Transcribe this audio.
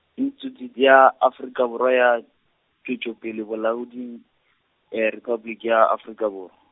Institute ya, Afrika Borwa ya, Tšwetšopele Bolaoding Repabliki ya Afrika Borwa.